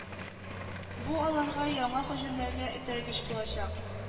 Бу аларга яңа һөҗүмнәргә этәргеч булачак